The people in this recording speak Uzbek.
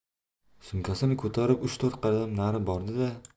sumkasini ko'tarib uch to'rt qadam nari bordi da